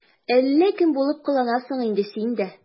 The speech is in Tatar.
Әллә кем булып кыланасың инде син дә...